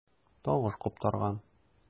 Тавыш куптарган.